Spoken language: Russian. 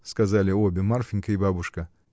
— сказали обе, Марфинька и бабушка.